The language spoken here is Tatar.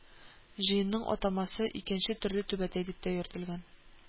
Җыенның атамасы икенче төрле Түбәтәй дип тә йөртелгән